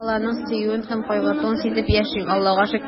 Балаларның сөюен һәм кайгыртуын сизеп яшим, Аллага шөкер.